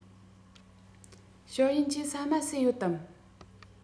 ཞའོ ཡན གྱིས ཟ མ ཟོས ཡོད དམ